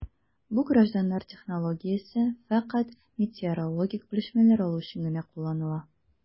Бу гражданнар технологиясе фәкать метеорологик белешмәләр алу өчен генә кулланыла...